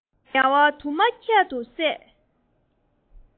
ངལ བ དུ མ ཁྱད དུ བསད